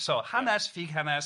So hanes, ffug hanes.